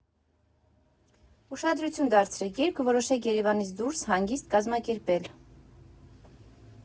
Ուշադրություն դարձրեք, երբ կորոշեք Երևանից դուրս հանգիստ կազմակերպել։